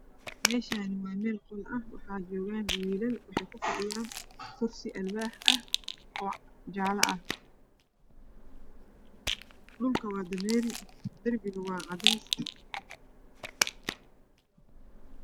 Meeshan waa meel qol ah waxaa jogaan wiilal waxa ay ku fadhiyaan kursi alwaax ah oo jaala ah dhulka waa dameeri darbiga waa cades